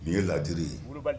N'i ye ladiri ye wilibali